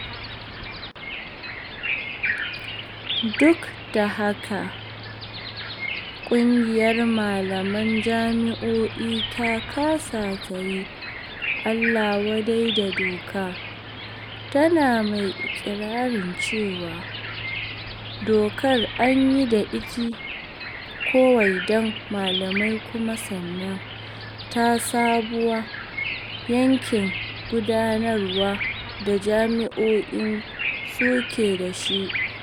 Duk da haka, ƙungiyar Malaman Jami'o'i ta ƙasa ta yi Allah wadai da dokar, tana mai iƙirarin cewa dokar an yi ta ne kawai don malamai kuma sannan ta saɓawa 'yancin gudanarwa da jami'o'in suke da shi.